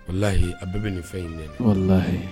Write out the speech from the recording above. O lahi a bɛɛ bɛ nin fɛn in dɛ o lahiyi